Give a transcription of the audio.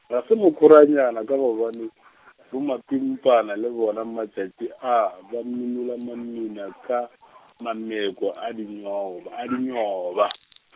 ga se mokhoranyana ka gobane , bomapimpana le bona matšatši a ba minola mamina ka, mameko a dinyoba, a dinyoba.